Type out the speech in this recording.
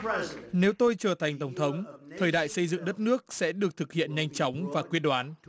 nếu tôi trở thành tổng thống thời đại xây dựng đất nước sẽ được thực hiện nhanh chóng và quyết đoán